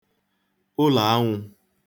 ụlọ̀ anwụ̄